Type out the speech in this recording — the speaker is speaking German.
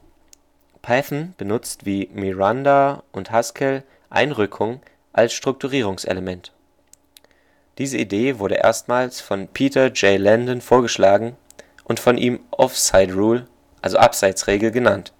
Python benutzt wie Miranda und Haskell Einrückungen als Strukturierungselement. Diese Idee wurde erstmals von Peter J. Landin vorgeschlagen und von ihm off-side rule („ Abseitsregel “) genannt